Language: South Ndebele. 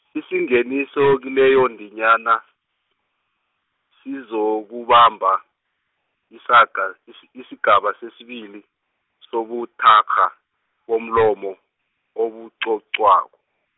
isingeniso kileyondinyana, sizokubamba, isaga, isi- isigaba, sesibili sobuthakgha, bomlomo obucocwako.